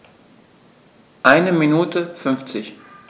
Eine Minute 50